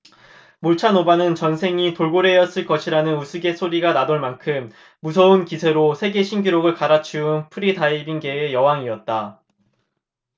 몰차노바는 전생이 돌고래였을 것이라는 우스개가 나돌만큼 무서운 기세로 세계신기록을 갈아치운 프리다이빙계의 여왕이었다